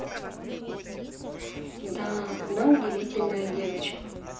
да она удивительная девочка